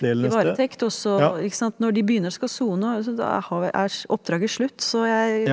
i varetekt og så ikke sant når de begynner og skal sone også da er oppdraget slutt så jeg.